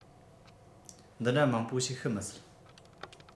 འདི འདྲ མང པོ ཞིག ཤི མི སྲིད